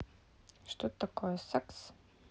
что такое секс